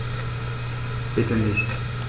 Bitte nicht.